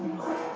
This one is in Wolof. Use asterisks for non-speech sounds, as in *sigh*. *hesitation* *hesitation* *noise*